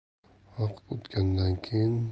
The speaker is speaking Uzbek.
vaqt o'tgandan keyin